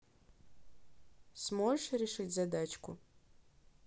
сможешь решить задачку